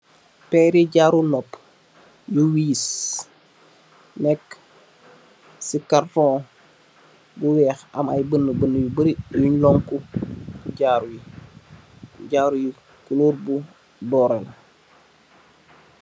Werri jarrou noppou you wiss deff ci Cartons bou weck am bendou you barri yong lonkou ci jarro yii jarrou yi color bou borre